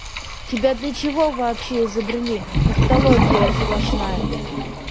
тебя для чего вообще изобрели тавтология сплошная